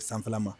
Bɛ san fila ma